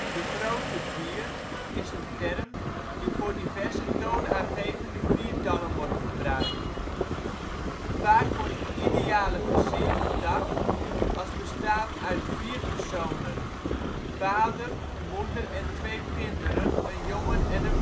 De Grote Vier is een term die voor diverse toonaangevende viertallen wordt gebruikt. Vaak wordt het ideale gezin gedacht als bestaand uit vier personen: vader, moeder en twee kinderen, een jongen en een